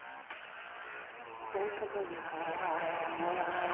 зайка моя